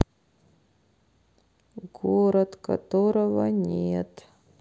город которого нет